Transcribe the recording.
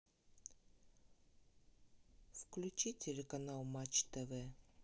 включи телеканал матч тв